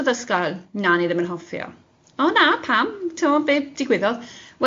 oedd ysgol. Na o'n i ddim yn hoffi o. O na pam ti'bod be' digwyddodd?